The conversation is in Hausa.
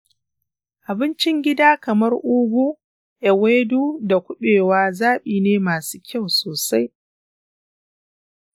abincin gida kamar ugu, ewedu da kubewa zaɓi ne masu kyau sosai.